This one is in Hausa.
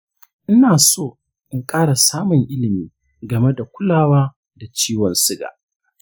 ina son in ƙara samun ilimi game da kulawa da ciwon suga.